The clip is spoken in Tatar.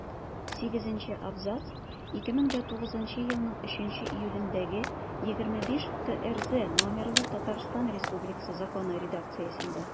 Сигезенче абзац 2009 елның 3 июлендәге 25-ТРЗ номерлы Татарстан Республикасы Законы редакциясендә.